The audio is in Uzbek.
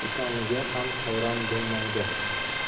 ekaniga xam xayron bulmaydi